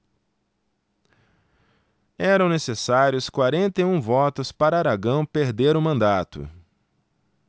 eram necessários quarenta e um votos para aragão perder o mandato